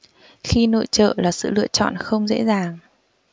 khi nội trợ là sự lựa chọn không dễ dàng